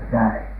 näin